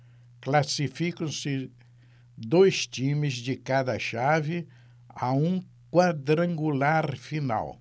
classificam-se dois times de cada chave a um quadrangular final